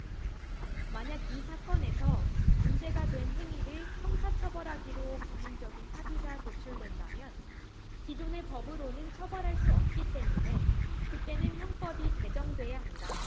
만약 이 사건에서 문제가 된 행위를 형사 처벌하기로 국민적인 합의가 도출된다면 기존의 법으로는 처벌할 수 없기 때문에 그때는 형법이 개정돼야 한다